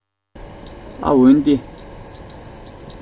འོན ཏེ